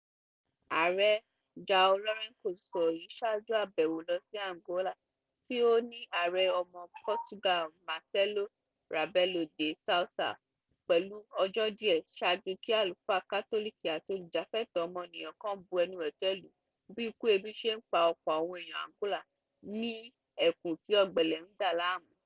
Ààrẹ João Lourenço sọ èyí ṣáájú àbẹ̀wò lọ sí Angola tí ó ní Ààrẹ ọmọ Portugal Marcelo Rebelo de Sousa, pẹ̀lú ọjọ́ díẹ̀ ṣáájú kí àlùfáà Kátólìkì àti olùjàfẹ́tọ̀ọ́ ọmọnìyàn kan bu ẹnu àtẹ́ lu bí ikú ebi ṣe pa ọ̀pọ̀ àwọn èèyàn Angola ní ẹkùn tí ọ̀gbẹlẹ̀ ń dà láàmú.